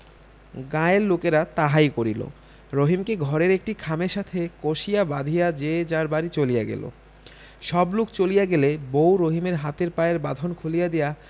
গাঁয়ের লোকেরা তাহাই করিল রহিমকে ঘরের একটি খামের সাথে কষিয়া বাধিয়া যে যার বাড়ি চলিয়া গেল সবলোক চলিয়া গেলে বউ রহিমের হাতের পায়ের বাঁধন খুলিয়া দিয়া